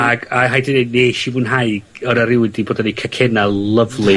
Ag a rhaid fi deud nes i fwynhau o' 'na rywun 'di bod yn neud cacenna lyfli.